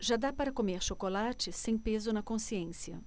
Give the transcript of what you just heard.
já dá para comer chocolate sem peso na consciência